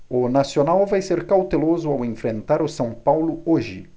o nacional vai ser cauteloso ao enfrentar o são paulo hoje